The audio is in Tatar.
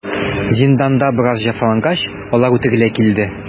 Зинданда бераз җәфалангач, алар үтерелә килде.